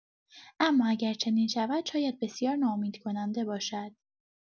اما اگر چنین شود، شاید بسیار ناامیدکننده باشد.